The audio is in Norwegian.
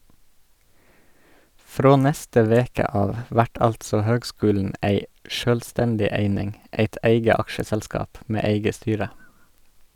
Frå neste veke av vert altså høgskulen ei sjølvstendig eining, eit eige aksjeselskap med eige styre.